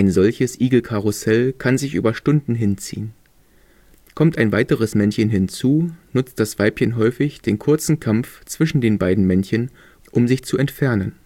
solches Igelkarussell kann sich über Stunden hinziehen. Kommt ein weiteres Männchen hinzu, nutzt das Weibchen häufig den kurzen Kampf zwischen den beiden Männchen, um sich zu entfernen